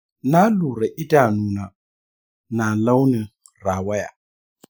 na lura idanu na, na launin rawaya .